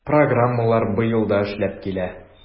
Программалар быел да эшләп килә.